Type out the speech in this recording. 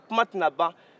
kuman tɛna ban